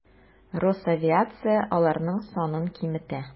Росавиация аларның санын киметә.